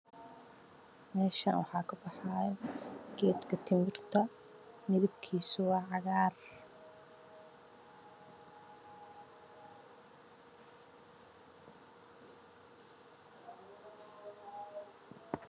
Meeshan waxay ka baxaayo geedka timirta kalarkiisa waa cagaar waxaa ka dambeeyo gaari midabkiisa madow yahay